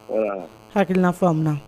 Hakiina fɔ